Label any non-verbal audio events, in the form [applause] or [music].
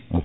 [hesitation] [hesitation]